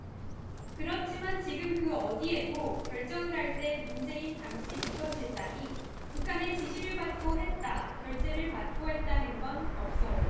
그렇지만 지금 그 어디에도 결정을 할 때 문재인 당시 비서실장이 북한의 지시를 받고 했다 결재를 받고 했다는 건 없어요